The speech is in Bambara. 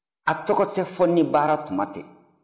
a tɔgɔ tɛ fɔ ni baara tuma tɛ